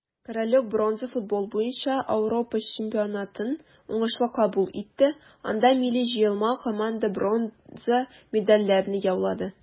Корольлек бронза футбол буенча Ауропа чемпионатын уңышлы кабул итте, анда милли җыелма команда бронза медальләрне яулады.